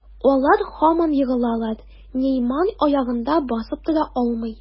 Алар һаман егылалар, Неймар аягында басып тора алмый.